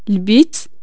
البيت